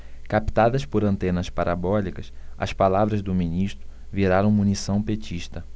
captadas por antenas parabólicas as palavras do ministro viraram munição petista